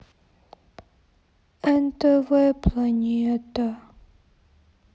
нтв планета